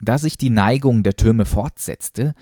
Da sich die Neigung der Türme fortsetzte